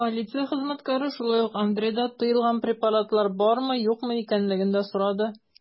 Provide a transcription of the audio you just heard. Полиция хезмәткәре шулай ук Андрейда тыелган препаратлар бармы-юкмы икәнлеген дә сорады.